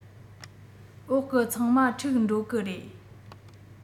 འོག གི ཚང མ འཁྲུག འགྲོ གི རེད